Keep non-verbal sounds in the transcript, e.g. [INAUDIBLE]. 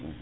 [HESITATION] [HESITATION]